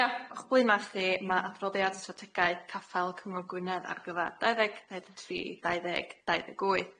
Ia ochblwyna chdi ma' adroddiad strategaeth Caffel Cyngor Gwynedd ar gyfar dau ddeg dau ddeg tri dau ddeg dau ddeg wy.